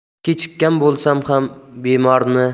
kechikkan bo'lsam ham bemorni